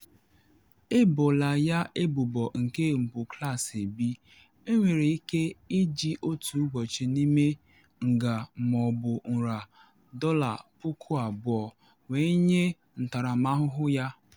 Eboola ya ebubo nke mpụ Klaasị B, enwere ike iji otu ụbọchị n’ime nga ma ọ bụ nra $2,000 wee nye ntaramahụhụ ya.